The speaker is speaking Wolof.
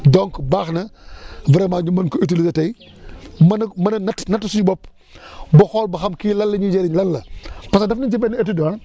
donc baax na vraiment ñu mën ko utiliser tey mën a mën a natt natt suñu bopp ba xool ba xam kii lan la ñuy njëriñ lan la parce que def nañ ci benn étude ah